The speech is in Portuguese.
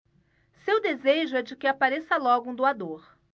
seu desejo é de que apareça logo um doador